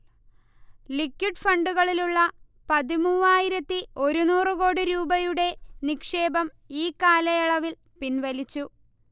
liquid ഫണ്ടുകളിലുള്ള പതിമൂവായിരത്തി ഒരുനൂറ് കോടി രൂപയുടെ നിക്ഷേപം ഈകാലയളവിൽ പിൻവലിച്ചു